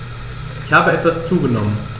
Ich habe etwas zugenommen